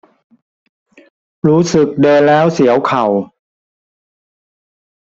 รู้สึกเดินแล้วเสียวเข่า